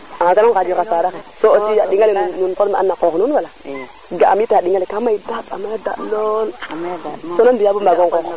a ganu ngajir xa saraxe so a ɗingale koy nuun former na qoox nuun wala ga am it a ɗinga le ka may daɗ a may daɗ lool so nam nu mbiya bo mbago ngoox